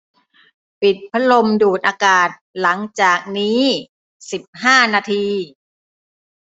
ปิดพัดลมดูดอากาศหลังจากนี้สิบห้านาที